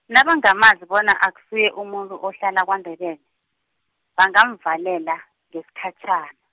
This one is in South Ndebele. nabangamazi bona akusuye umuntu ohlala kwaNdebele, bangamvalela, ngesikhatjhana.